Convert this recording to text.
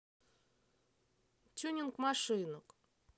тюнинг машинок